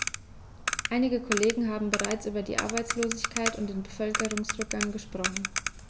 Einige Kollegen haben bereits über die Arbeitslosigkeit und den Bevölkerungsrückgang gesprochen.